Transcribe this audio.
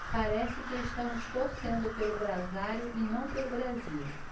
parece que estamos torcendo pelo brasário e não pelo brasil